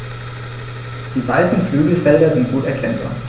Die weißen Flügelfelder sind gut erkennbar.